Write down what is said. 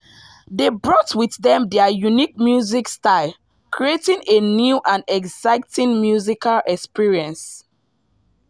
They brought with them their unique music style creating a new and exciting musical experience.